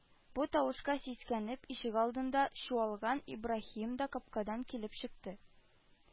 Бу тавышка сискәнеп, ишегалдында чуалган Ибраһим да капкадан килеп чыкты